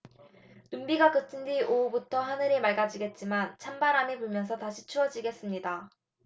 눈비가 그친 뒤 오후부터 하늘이 맑아지겠지만 찬바람이 불면서 다시 추워지겠습니다